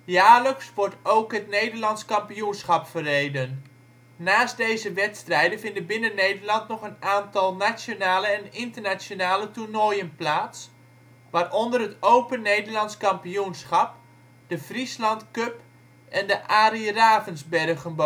Jaarlijks wordt ook het Nederlands Kampioenschap verreden. Naast deze wedstrijden vinden binnen Nederland nog een aantal nationale en internationale toernooien plaats, waaronder het Open Nederlands Kampioenschap, de Friesland Cup en de Arie Ravensbergen